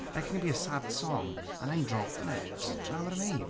It can be a sad song and I'm dropping it. Do you know what I mean?